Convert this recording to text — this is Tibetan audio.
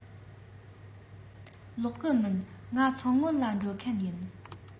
ལོག གི མིན ང མཚོ སྔོན ལ འགྲོ མཁན ཡིན